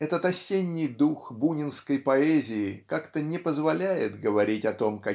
этот осенний дух бунинской поэзии как-то не позволяет говорить о том